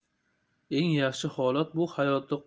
eng yaxshi holat bu hayotda